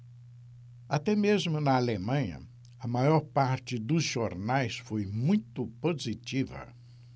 até mesmo na alemanha a maior parte dos jornais foi muito positiva